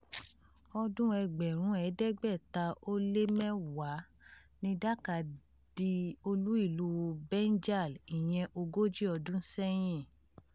Ọdún-un 1610 ni Dhaka di olú-ìlúu Bengal, ìyẹn ogójì ọdún sẹ́yìn.